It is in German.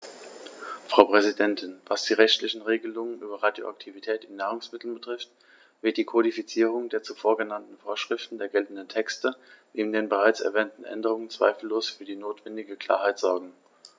Frau Präsidentin, was die rechtlichen Regelungen über Radioaktivität in Nahrungsmitteln betrifft, wird die Kodifizierung der zuvor genannten Vorschriften der geltenden Texte neben den bereits erwähnten Änderungen zweifellos für die notwendige Klarheit sorgen.